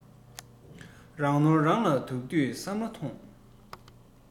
རང ནོར རང ལ བདག དུས བསམ བློ ཐོངས